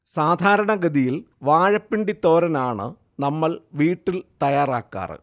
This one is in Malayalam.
സാധാരണഗതിയിൽ വാഴപ്പിണ്ടി തോരനാണ് നമ്മൾ വീട്ടിൽ തയ്യാറാക്കാറ്